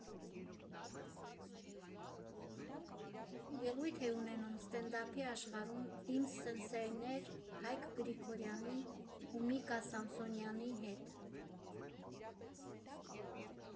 Ելույթ էի ունենում ստենդափի աշխարհում իմ սենսեյներ Հայկ Գրիգորյանի ու Միկա Սամսոնյանի հետ։